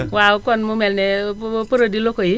waaw kon mu mel nee produit locaux yi